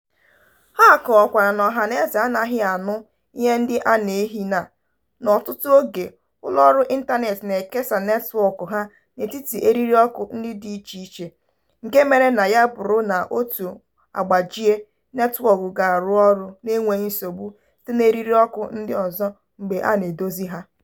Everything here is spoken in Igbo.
Ha kọwakwara na ọhanaeze anaghị anụ ihe ndị a n'ihina, n'ọtụtụ oge, ụlọọrụ ịntaneetị na-ekesa netwọk ha n'etiti eririọkụ dị icheiche nke mere na ya bụrụ na otu agbajie, netwọk ga-arụ ọrụ n'enweghị nsogbu site n'eririọkụ ndị ọzọ mgbe a na-edozi ha.